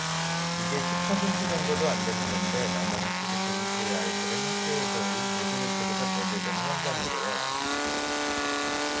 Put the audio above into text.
이게 십 퍼센트 정도도 안 되는 건데 나머지 구십 퍼센트의 아이들은 학교에서의 모든 혜택에서 배제되는 현상이고요